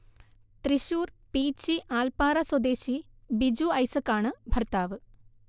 തൃശൂർ പീച്ചി ആൽപ്പാറ സ്വദേശി ബിജു ഐസക് ആണ് ഭർത്താവ്